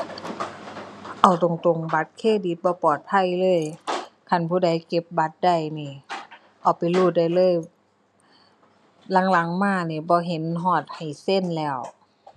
เอาตรงตรงบัตรเครดิตบ่ปลอดภัยเลย คันผู้ใดเก็บบัตรได้นี่เอาไปรูดได้เลย หลังหลังมานี่บ่เห็นฮอดให้เซ็นแล้ว